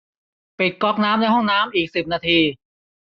ปิดก๊อกน้ำในห้องน้ำอีกสิบนาที